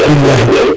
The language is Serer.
bilahi